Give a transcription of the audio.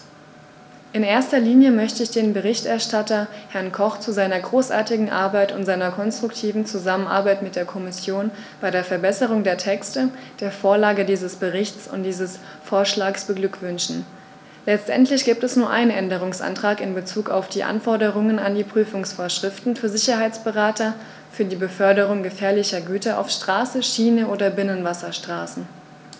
In erster Linie möchte ich den Berichterstatter, Herrn Koch, zu seiner großartigen Arbeit und seiner konstruktiven Zusammenarbeit mit der Kommission bei der Verbesserung der Texte, der Vorlage dieses Berichts und dieses Vorschlags beglückwünschen; letztendlich gibt es nur einen Änderungsantrag in bezug auf die Anforderungen an die Prüfungsvorschriften für Sicherheitsberater für die Beförderung gefährlicher Güter auf Straße, Schiene oder Binnenwasserstraßen.